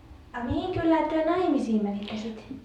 a mihin kylään te naimisiin menitte sitten